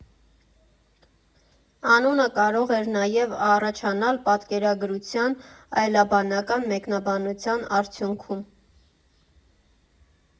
Անունը կարող էր նաև առաջանալ պատկերագրության այլաբանական մեկնաբանության արդյունքում։